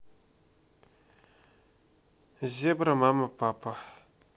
зебра мама папа